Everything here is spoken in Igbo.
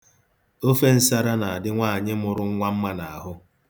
Ofe nsara na-adị nwaanyị mụrụ nwa mma n'ahụ.